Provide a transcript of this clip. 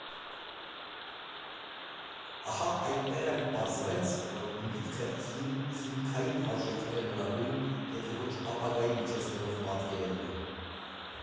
Ահա այդտեղ էլ պարզվեց, որ միտքը հին, հիմքային արժեքները նորագույն, եթե ոչ ապագայի միջոցներով պատկերելն է։